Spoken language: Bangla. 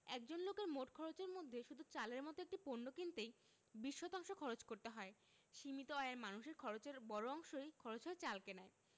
একজন লোকের মোট খরচের মধ্যে শুধু চালের মতো একটি পণ্য কিনতেই ২০ শতাংশ খরচ করতে হয় সীমিত আয়ের মানুষের খরচের বড় অংশই খরচ হয় চাল কেনায়